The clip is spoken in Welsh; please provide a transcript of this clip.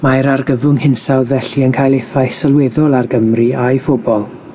Mae'r argyfwng hinsawdd, felly, yn cael effaith sylweddol ar Gymru a'i phobol.